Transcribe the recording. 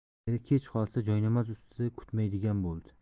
eri kech qolsa joynamoz ustida kutmaydigan bo'ldi